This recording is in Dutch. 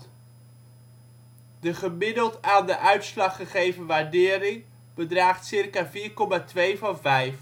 gemiddeld aan de ' uitslag ' gegeven waardering bedraagt circa 4,2 van 5.